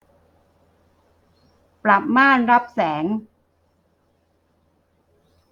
ปรับม่านรับแสง